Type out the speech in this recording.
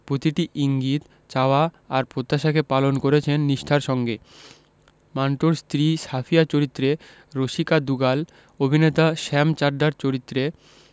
প্রতিটি ইঙ্গিত চাওয়া আর প্রত্যাশাকে পালন করেছেন নিষ্ঠার সঙ্গে মান্টোর স্ত্রী সাফিয়া চরিত্রে রসিকা দুগাল অভিনেতা শ্যাম চাড্ডার চরিত্রে